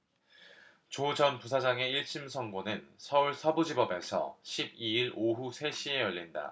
조 전 부사장의 일 심 선고는 서울서부지법에서 십 이 일 오후 세 시에 열린다